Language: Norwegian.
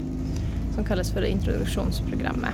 Som kalles for introduksjonsprogrammet.